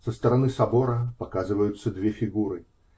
Со стороны собора показываются две фигуры.